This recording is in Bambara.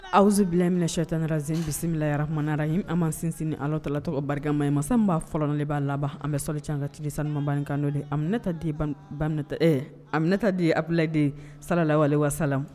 Awzu bila minɛ si tan ni zejisiyɔrɔra tumara an ma sinsin ala tɔla tɔgɔ barikama ye masaba fɔlɔli b'a laban an bɛ sali caman ka tidi sanubankan de ainɛta denta a minɛta de ye apla de salawale waasala